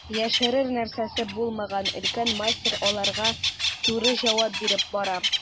Яшерер нәрсәсе булмаган өлкән мастер аларга туры җавап биреп бара.